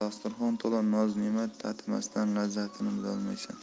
dasturxon to'la noz nemat tatimasdan lazzatini bilolmaysan